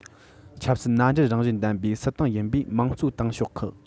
ཆབ སྲིད མནའ འབྲེལ རང བཞིན ལྡན པའི སྲིད ཏང ཡིན པའི དམངས གཙོའི ཏང ཤོག ཁག